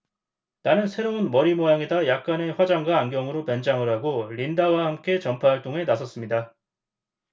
나는 새로운 머리 모양에다 약간의 화장과 안경으로 변장을 하고 린다와 함께 전파 활동에 나섰습니다